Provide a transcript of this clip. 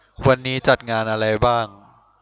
วันนี้จัดงานอะไรบ้าง